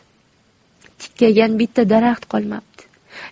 tikkaygan bitta daraxt qolmabdi